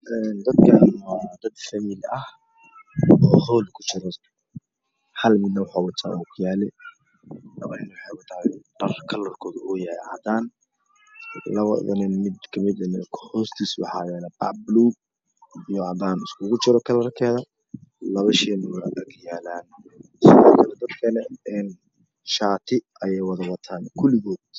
Dadkan waa dad famil ah oo hool kujiro halmid waxa uu wataa ookiyaale laba nine waxa ay wataan dhar kalar koodu uu yahay cadaan labada nin mid kamid ahna hoostiisa waxaa yaalo bac buluug iyo cadaan iskugu jiro kalarkeda laba shayna waa agyaalan dadka kalana shaati ayay wada wataan kuligoog